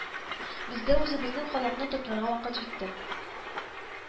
Безгә үзебезнең халыкны тупларга вакыт җитте